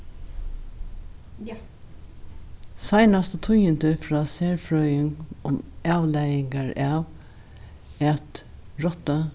seinastu tíðindi frá serfrøðing um av at rotta